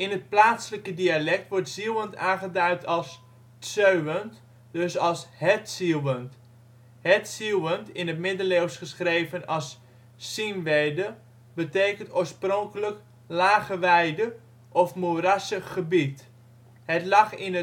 het plaatselijke dialect wordt Zieuwent aangeduid als’ t Söwent, dus als ' Het Zieuwent '. Het Zieuwent, in de middeleeuwen geschreven als ' Synwede ' betekent oorspronkelijk ' lage weide ' ofwel moerassig gebied. Het lag in